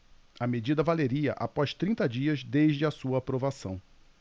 a medida valeria após trinta dias desde a sua aprovação